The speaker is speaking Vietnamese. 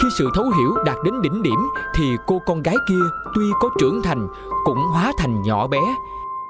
trước sự thấu hiểu đạt đến đỉnh điểm thì cô con gái kia tuy có trưởng thành cũng hóa thành nhỏ bé